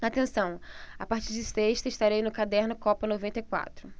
atenção a partir de sexta estarei no caderno copa noventa e quatro